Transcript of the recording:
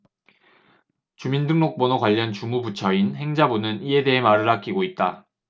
주민등록번호 관련 주무 부처인 행자부는 이에 대해 말을 아끼고 있다